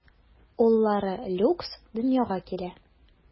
Уллары Люкс дөньяга килә.